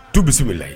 Tubi wulila yen